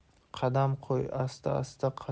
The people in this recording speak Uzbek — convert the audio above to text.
qadam qo'y asta asta